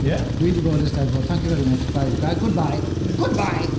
Ie... "Dwi 'di bod i'r Steddfod thank you very much, bye. Uh, goodbye! Goodbye!"